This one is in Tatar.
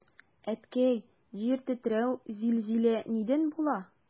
Әткәй, җир тетрәү, зилзилә нидән була?